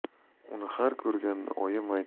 uni har ko'rganda oyim